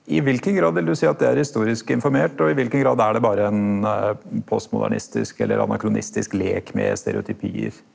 i kva grad vil du seie at det er historisk informert og i kva grad er det berre ein postmodernistisk eller anakronistisk lek med stereotypiar?